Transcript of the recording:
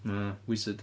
Ah wizard.